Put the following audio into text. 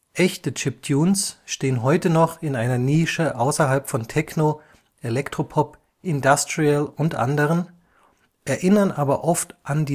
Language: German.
Echte Chiptunes stehen heute noch in einer Nische außerhalb von Techno, Elektropop, Industrial u. a., erinnern aber oft an